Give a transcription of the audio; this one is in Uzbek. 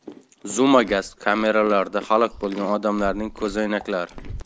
zumagaz kameralarida halok bo'lgan odamlarning ko'zoynaklari